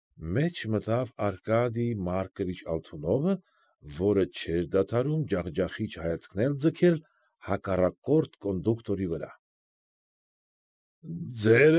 Մեջ մտավ Արկադիյ Մարկովիչ Ալթունովը, որ չէր դադարում ջախջախիչ հայացքներ ձգել հակառակորդ կոնդուկտորի վրա։ ֊